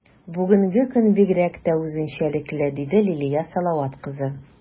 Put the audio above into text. Бүгенге көн бигрәк тә үзенчәлекле, - диде Лилия Салават кызы.